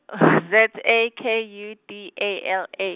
Z, A, K, U, D, A, L, A.